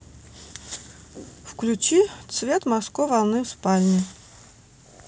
включи цвет морской волны в спальне